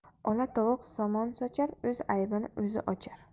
ola tovuq somon sochar o'z aybini o'zi ochar